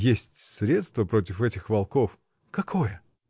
— Есть средство против этих волков. — Какое?